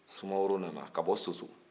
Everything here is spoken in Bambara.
sumaworo nana ka bɔ soso